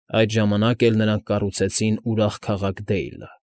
Այդ ժամանակ էլ նրանք կառուցեցին ուրախ քաղաք Դեյլը։